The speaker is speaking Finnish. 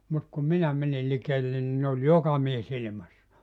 mutta kun minä menin likelle niin ne oli joka mies ilmassa